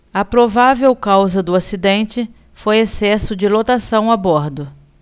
a provável causa do acidente foi excesso de lotação a bordo